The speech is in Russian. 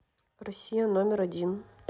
россия номер один